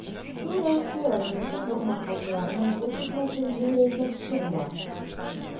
Шул рәвешле районындагы умартачыларның кул хезмәтен җиңеләйтмәкче була.